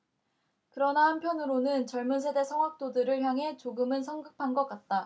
그러나 한편으로는 젊은 세대 성악도들을 향해 조금은 성급한 것 같다